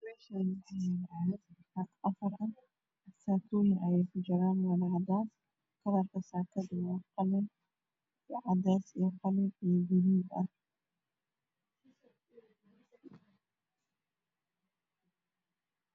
Meeshaani waxaa yaalo caagag afar saakoyin ayaa ky jiro kalarka waa cadaan cadeys guduud qalin